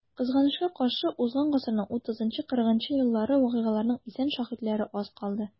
Кызганычка каршы, узган гасырның 30-40 еллары вакыйгаларының исән шаһитлары аз калды.